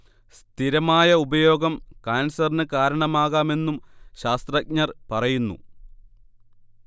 സ്ഥിരമായ ഉപയോഗം കാൻസറിന് കാരണമാകാമെന്നും ശാസ്ത്രജഞർ പറയുന്നു